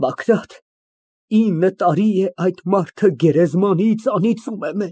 Բագրատ, ինը տարի է այդ մարդը գերեզմանից անիծում է մեզ։